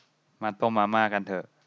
มาต้มมาม่ากันเถอะ